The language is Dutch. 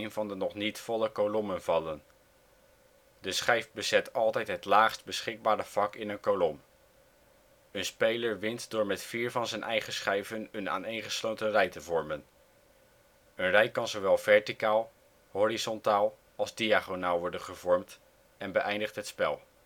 van de nog niet volle kolommen vallen. De schijf bezet altijd het laagst beschikbare vak in een kolom. Een speler wint door met vier van zijn eigen schijven een aaneengesloten rij te vormen. Een rij kan zowel verticaal, horizontaal als diagonaal worden gevormd en beëindigt het spel. Het spel